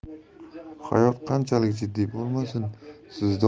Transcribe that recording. hayot qanchalik jiddiy bo'lmasin siz